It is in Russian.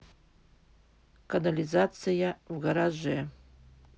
канализация в гараже